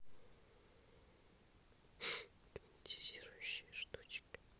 гипнотизирующие штучки